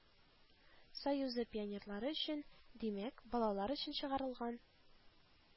Союзы пионерлары өчен, димәк, балалар өчен чыгарылган